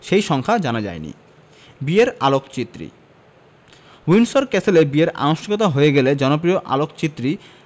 সেই সংখ্যা জানা যায়নি বিয়ের আলোকচিত্রী উইন্ডসর ক্যাসেলে বিয়ের আনুষ্ঠানিকতা হয়ে গেলে জনপ্রিয় আলোকচিত্রী